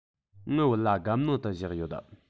ངའི བོད ལྭ སྒམ ནང དུ བཞག ཡོད